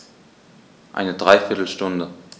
Eine dreiviertel Stunde